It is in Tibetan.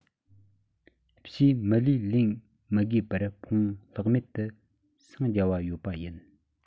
ཕྱིས མི ལུས ལེན མི དགོས པར ཕུང པོ ལྷག མེད དུ སངས རྒྱ བ ཡོད པ ཡིན